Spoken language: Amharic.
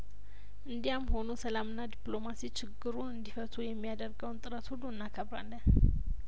እንዲያም ሆኖ ሰላምና ዲፕሎማሲ ችግሩን እንዲ ፈቱ የሚያደርገውን ጥረት ሁሉ እና ከብራለን